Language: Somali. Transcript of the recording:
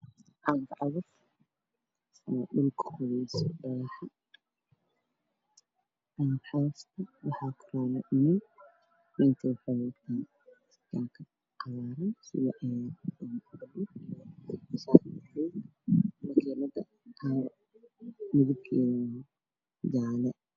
Waxaa ii muuqda meel ay taalo agaf cagaf midabkeedu yahay jaalo waxaa agtaagan nin wata shaafici cagaar koofijaallo cid ay gureysaan